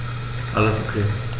Alles OK.